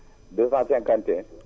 251